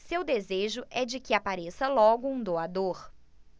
seu desejo é de que apareça logo um doador